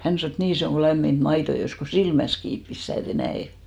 hän sanoi että niin se on kuin lämmintä maitoa joisi kun silmänsä kiinni pistää että ei näe